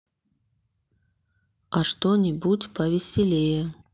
а что нибудь повеселее